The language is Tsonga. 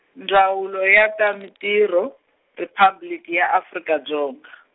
Ndzawulo ya ta Mintirho, Riphabliki ya Afrika Dzonga.